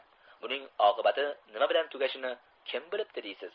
buning oqibati nima bilan tugashini kim bilibdi deysiz